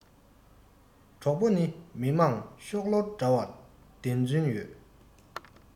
གྲོགས པོ ནི མི དམངས ཤོག ལོར འདྲ བར བདེན རྫུན ཡོད